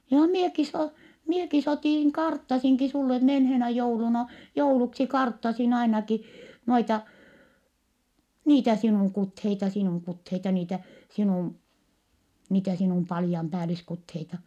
johan minäkin se olen minäkin se otin karttasinkin sinulle menneenä jouluna jouluksi karttasin ainakin noita niitä sinun kuteita sinun kuteita niitä sinun niitä sinun patjanpäälliskuteita